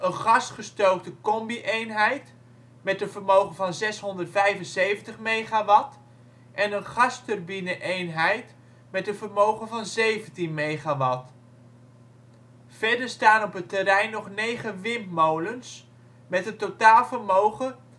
gasgestookte combi-eenheid met een vermogen van 675 MW en een gasturbine - eenheid met een vermogen van 17 MW. Verder staan op het terrein nog negen windmolens met een totaal vermogen